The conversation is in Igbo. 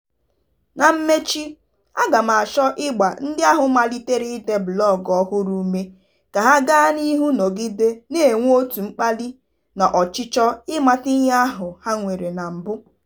Na mmechi, aga m achọ ịgba ndị ahụ malitere ide blọọgụ ọhụrụ ụme ka ha gaa n'ihu nọgide na-enwe otu mkpali na ọchịchọ ịmata ihe ahụ ha nwere na mbụ.